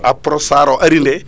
Aprostar o ari nde